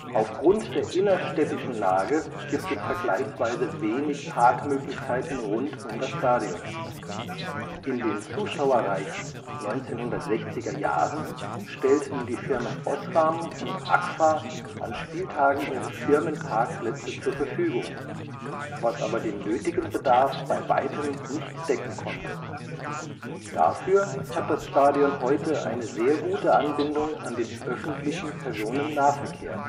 Aufgrund der innerstädtischen Lage gibt es vergleichsweise wenig Parkmöglichkeiten rund um das Stadion. In den zuschauerreichen 1960er Jahren stellten die Firmen Osram und Agfa an Spieltagen ihre Firmenparkplätze zur Verfügung, was aber den nötigen Bedarf bei weitem nicht decken konnte. Dafür hat das Stadion heute eine sehr gute Anbindung an den Öffentlichen Personennahverkehr